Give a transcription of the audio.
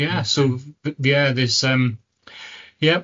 Ie so f- ie oedd e's yym ie.